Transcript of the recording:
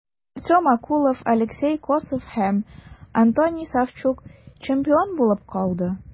Артем Окулов, Алексей Косов һәм Антоний Савчук чемпион булып калды.